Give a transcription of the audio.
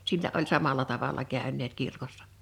sillä oli samalla tavalla käyneet kirkossa